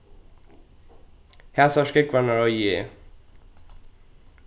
hasar skógvarnar eigi eg